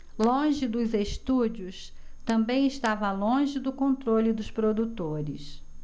longe dos estúdios também estava longe do controle dos produtores